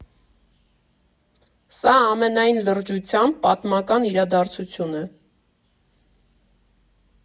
Սա, ամենայն լրջությամբ, պատմական իրադարձություն է.